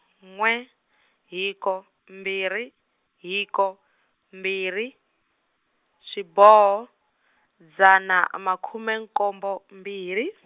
n'we hiko mbirhi hiko mbirhi, xiboho, dzana a makume nkombo mbirhi.